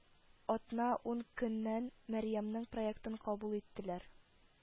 Атна-ун көннән Мәрьямнең проектын кабул иттеләр